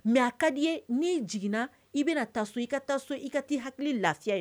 Mɛ a ka di n'i jiginna i bɛna taa so i ka taa so i ka taa i hakili lafiya ye